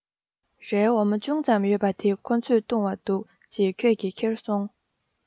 རའི འོ མ ཅུང ཙམ ཡོད པ དེ ཁོ ཚོས བཏུང བ འདུག གཅིག ཁྱོད ཀྱིས ཁྱེར སོང